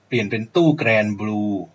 เปลี่ยนเป็นตู้แกรนบลู